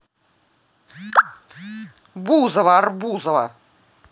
бузова арбузова